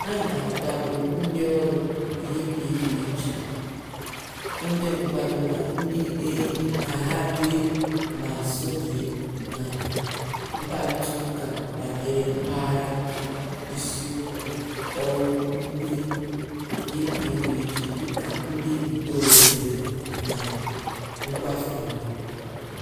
Anyị na-akwado ndịọrụ YPWC, ndị nkwado na ndị enyi ka ha dee ma sonye na mkparịtaụka banyere mpaghara isiokwu ọrụ ndị YPWC dịka ndị ntorobịa na nkwafere.